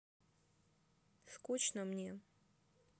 скучно мне